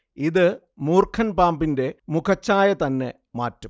ഇത് മൂർഖൻ പറമ്പിന്റെ മുഖച്ഛായ തന്നെ മാറ്റും